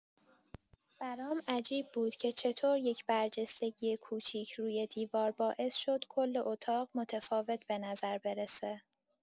برام عجیب بود که چطور یک برجستگی کوچیک روی دیوار باعث شد کل اتاق متفاوت به نظر برسه.